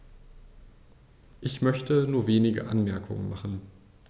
Ich möchte nur wenige Anmerkungen machen.